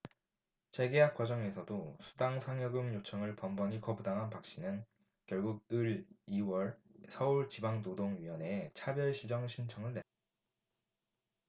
재계약 과정에서도 수당 상여금 요청을 번번이 거부당한 박씨는 결국 올 이 월 서울지방노동위원회에 차별시정 신청을 냈다